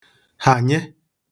hànye